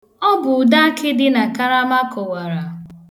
Ọ bụ udeakị dị na karama kụwara.